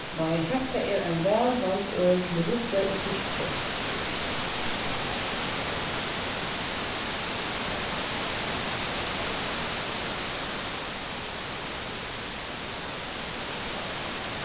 nei hetta er ein vælvald øl til rugbreyð og turt kjøt